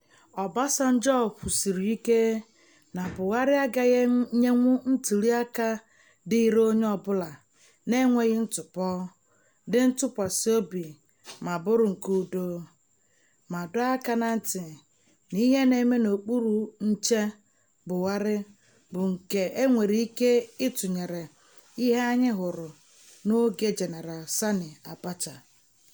Obasanjo kwusiri ike na Buhari agaghị enyenwu "ntụliaka dịịrị onye ọbụla, na-enweghị ntụpọ, dị ntụkwasị obi ma bụrụ nke udo" ma dọọ aka na ntị na ihe "na-eme n'okpuru nche Buhari bụ nke e nwere ike tụnyere ihe anyị hụrụ n'oge Gen. Sani Abacha.